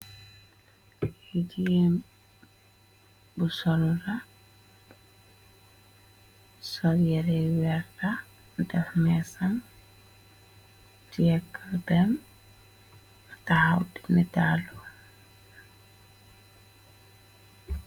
Jigeen bu solu la, sol yire yu werta, def mesam, tiye kalpem, taxaw di nitaalu.